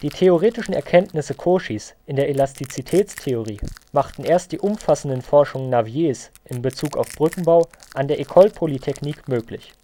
theoretischen Erkenntnisse Cauchys in der Elastizitätstheorie machten erst die umfassenden Forschungen Naviers in Bezug auf Brückenbau an der École Polytechnique möglich